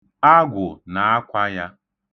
Agwụ na-akwa ya.